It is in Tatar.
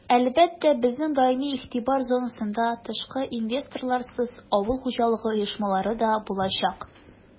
Әлбәттә, безнең даими игътибар зонасында тышкы инвесторларсыз авыл хуҗалыгы оешмалары да булачак.